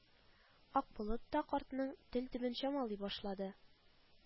Акболыт та картның тел төбен чамалый башлады